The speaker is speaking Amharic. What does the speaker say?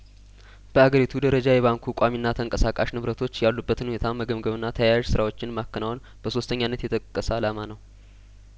በአገሪቱ ደረጃ የባንኩ ቋሚና ተንቀሳቃሽ ንብረቶች ያሉበትን ሁኔታ መገምገምና ተያያዥ ስራዎችን ማከናወን በሶስተኛነት የተጠቀሰ አላማ ነው